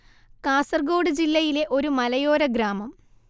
കാസർഗോഡ് ജില്ലയിലെ ഒരു മലയോര ഗ്രാമം